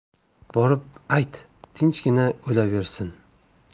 borib ayt tinchgina o'laversin